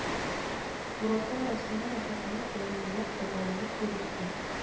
Буразна арасында рәхәтләнеп яланаяк абаланып йөрерсең